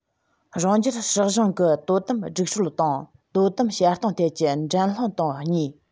རང རྒྱལ སྲིད གཞུང གི དོ དམ སྒྲིག སྲོལ དང དོ དམ བྱེད སྟངས ཐད ཀྱི འགྲན སློང དང གཉིས